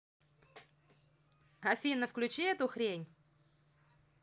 афина выключи эту хрень